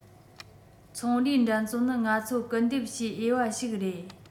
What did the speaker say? ཚོང རའི འགྲན རྩོད ནི ང ཚོ སྐུལ འདེབས བྱེད འོས པ ཞིག རེད